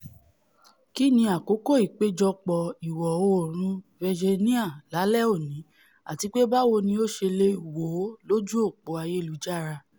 Kínni àkókò ìpéjọpọ̀ Ìwọ-oòrùn Virginia lálẹ́ òní àtipé báwo ni o ṣe leè wò ó lójú-òpó ayelujara?